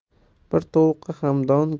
bir tovuqqa ham